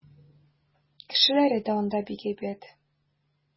Кешеләре дә анда бик әйбәт.